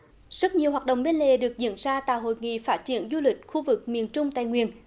rất nhiều hoạt động bên lề được diễn ra tại hội nghị phát triển du lịch khu vực miền trung tây nguyên